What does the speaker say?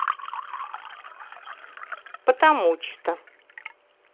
потому что